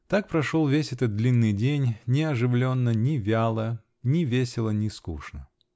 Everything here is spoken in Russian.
Так прошел весь этот длинный день, ни оживленно, ни вяло -- ни весело, ни скучно.